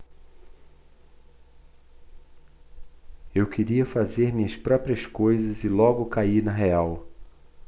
eu queria fazer minhas próprias coisas e logo caí na real